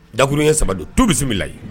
Dakurun ye saba don tubi bisimila bisimila layi